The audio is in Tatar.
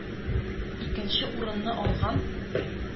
Икенче урынны алган.